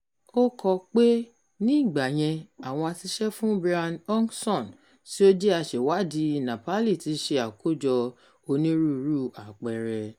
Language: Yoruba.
Ó kọ pé, ní ìgbà yẹn àwọn aṣiṣẹ́ fún Brian Hodgson tí ó jẹ́ aṣèwádìí Nepali tí ṣe àkójọ onírúurú àpẹẹrẹ.